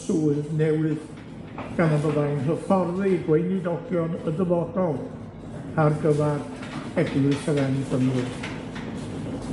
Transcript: swydd newydd, gan y byddai'n hyfforddi gweinidogion y dyfodol ar gyfar Eglwys yr Annibynwyr.